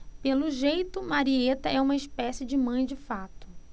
pelo jeito marieta é uma espécie de mãe de fato